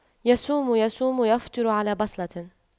يصوم يصوم ويفطر على بصلة